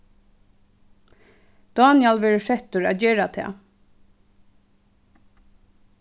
dánjal verður settur at gera tað